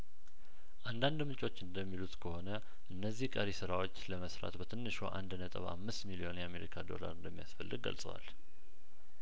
አንዳንድ ምንጮች እንደሚሉት ከሆነ እነዚህ ቀሪ ስራዎች ለመስራት በትንሹ አንድ ነጥብ አምስት ቢሊዮን የአሜሪካ ዶላር እንደሚያስፈልግ ገልጸዋል